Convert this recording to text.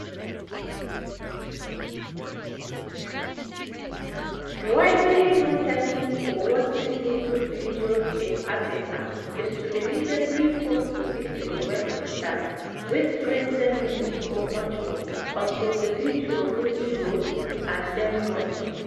The widely known technique for watching YouTube videos in Africa is to immediately pause the video when it starts, wait 20 minutes (or much more) until the video fully loads, and then watch.